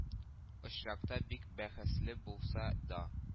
Очракта бик бәхәсле булса да